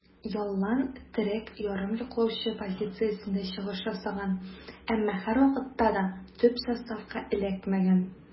Ялланн терәк ярым яклаучы позициясендә чыгыш ясаган, әмма һәрвакытта да төп составка эләкмәгән.